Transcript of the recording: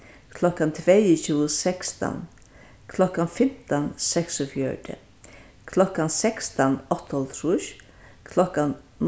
klokkan tveyogtjúgu sekstan klokkan fimtan seksogfjøruti klokkan sekstan áttaoghálvtrýss klokkan